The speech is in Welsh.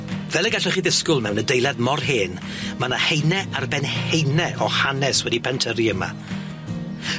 Fel y gallech chi ddisgwl mewn adeilad mor hen ma' 'ny haene ar ben haene o hanes wedi pentyrru yma.